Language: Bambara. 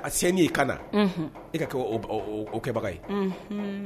A sen d'i kan na unhun e ka kɛ o b o oo kɛbaga ye